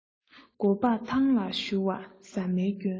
མགོ སྤགས ཐང ལ བཤུ བ ཟ མའི སྐྱོན